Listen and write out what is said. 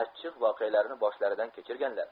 achchiq voqealarni boshlaridan kechirganlar